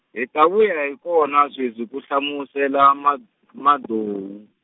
hi ta vuya hi kona sweswi ku hlamusela Ma- Madou.